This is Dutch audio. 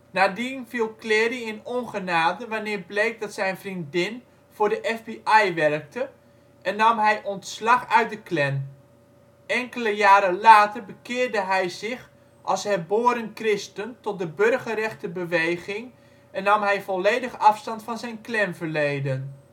Nadien viel Clary in ongenade wanneer bleek dat zijn vriendin voor de FBI werkte en nam hij ontslag uit de Klan. Enkele jaren later bekeerde hij zich als herboren christen tot de burgerrechtenbeweging en nam hij volledig afstand van zijn Klanverleden. In